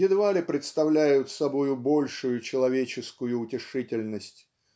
едва ли представляют собою большую человеческую утешительность.